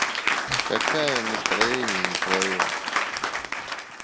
какая настроение не твое